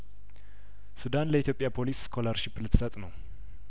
ሱዳን ለኢትዮጵያ ፖሊስ ስኮላርሽፕ ልትሰጥ ነው